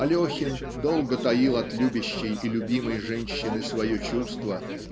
Алехин долго таил от любящей и любимой женщины свое чувство